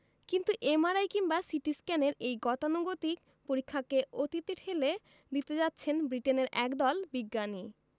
কিন্তু এমআরআই কিংবা সিটিস্ক্যানের এই গতানুগতিক পরীক্ষাকে অতীতে ঠেলে দিতে যাচ্ছেন ব্রিটেনের একদল বিজ্ঞানী